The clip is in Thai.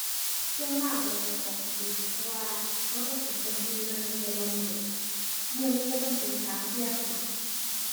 ส่วนมากเบิดกับของกิน เพราะว่าเราต้องกินต้องอยู่น้อในแต่ละมื้อ มื้อหนึ่งเราต้องกินสามเที่ยพู้นน่ะ